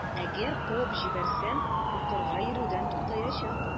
Әгәр куып җибәрсәм, укырга йөрүдән туктаячак.